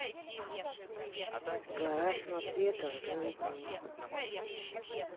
гора самоцветов злые дни